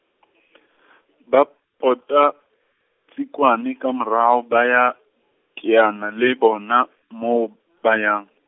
ba pota, Tsikwane ka morao ba ya, teana le bona moo ba yang.